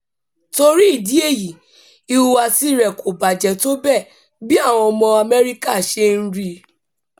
Torí ìdí èyí, ìhùwàsíi rẹ̀ kò bàjẹ́ tó bẹ́ẹ̀ bí àwọn ọmọ Amẹ́ríkà ṣe ń rí i.